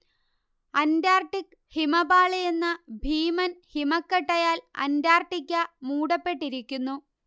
Antarctic ഹിമപാളി എന്ന ഭീമൻ ഹിമക്കട്ടയാൽ അന്റാർട്ടിക്ക മൂടപ്പെട്ടിരിക്കുന്നു